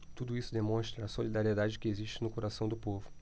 tudo isso demonstra a solidariedade que existe no coração do povo